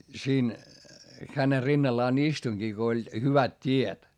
siinä hänen rinnallaan istuinkin kun oli hyvät tiet